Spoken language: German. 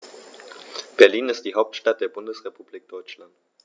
Berlin ist die Hauptstadt der Bundesrepublik Deutschland.